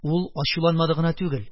Ул ачуланмады гына түгел,